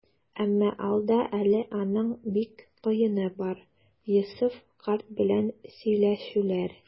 Әмма алда әле аның бик кыены бар - Йосыф карт белән сөйләшүләр.